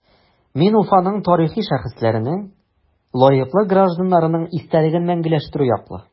Мин Уфаның тарихи шәхесләренең, лаеклы гражданнарның истәлеген мәңгеләштерү яклы.